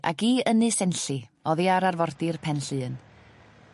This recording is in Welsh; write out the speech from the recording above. ...ag i Ynys Enlli oddi ar arfordir Penllyn.